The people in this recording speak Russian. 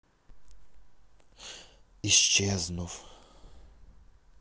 исчезнув